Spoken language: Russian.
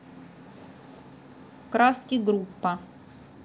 краски группа